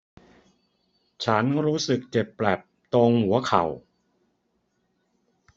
ฉันรู้สึกเจ็บแปลบตรงหัวเข่า